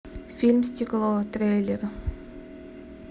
фильм стекло трейлер